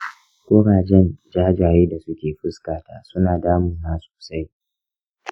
kurajen jajaye da suke fuskata suna damuna sosai